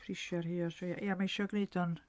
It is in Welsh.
Prisiau'r rhai o'r rhai... Ia ma' isio gwneud o'n...